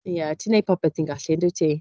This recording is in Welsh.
Ie, ti'n wneud popeth ti'n gallu, yn dwyt ti?